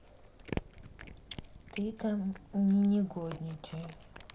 ты там не негодничай